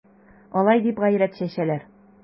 Алай дип гайрәт чәчәләр...